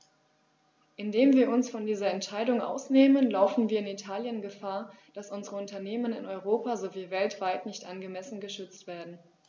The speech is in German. Indem wir uns von dieser Entscheidung ausnehmen, laufen wir in Italien Gefahr, dass unsere Unternehmen in Europa sowie weltweit nicht angemessen geschützt werden.